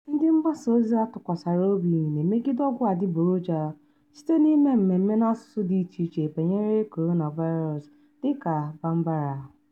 Ndị mgbasaozi a tụkwasara obi na-emegide ọgwụ adigboroja site n'ime mmemme n'asụsụ dị icheiche banyere coronavirus. dịka #bambara